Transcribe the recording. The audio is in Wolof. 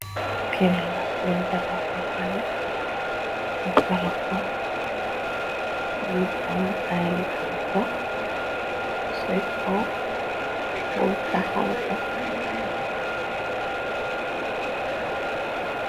Kela ben takake pare nekarako ni am ayl amba ko boltaxalko.